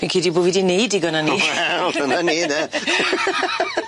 Fi'n credu bo' fi di neud digon o 'ny. Wel dyna ni ynde.